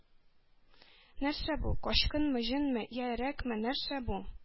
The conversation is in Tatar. Нәрсә бу? Качкынмы, җенме? Йә өрәкме, нәрсә бу?